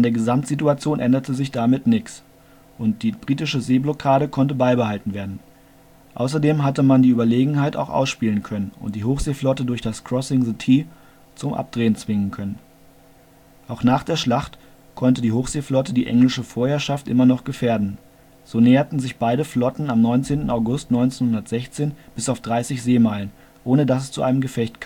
Gesamtsituation änderte sich damit nichts, und die britische Seeblockade konnte beibehalten werden. Außerdem hatte man die Überlegenheit auch ausspielen können und die Hochseeflotte durch das Crossing the T zum Abdrehen zwingen können. Auch nach der Schlacht konnte die Hochseeflotte die englische Vorherrschaft immer noch gefährden. So näherten sich beide Flotten am 19. August 1916 bis auf 30 Seemeilen, ohne das es zu einem Gefecht kam